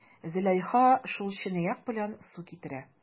Зөләйха шул чынаяк белән су китерә.